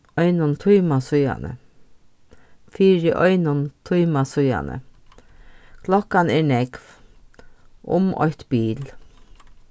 einum tíma síðani fyri einum tíma síðani klokkan er nógv um eitt bil